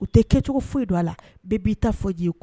U tɛ kɛcogo foyi don a la bɛɛ b taa fɔ' ye